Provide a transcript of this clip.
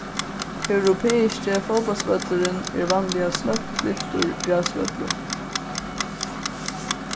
europeiski fótbóltsvøllurin er vanliga snøgt kliptur grasvøllur